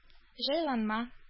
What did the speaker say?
Җайланма